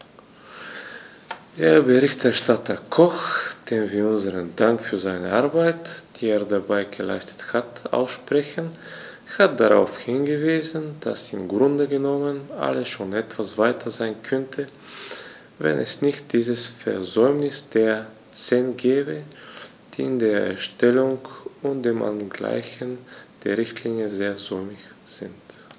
Der Berichterstatter Koch, dem wir unseren Dank für seine Arbeit, die er dabei geleistet hat, aussprechen, hat darauf hingewiesen, dass im Grunde genommen alles schon etwas weiter sein könnte, wenn es nicht dieses Versäumnis der CEN gäbe, die in der Erstellung und dem Angleichen der Richtlinie sehr säumig sind.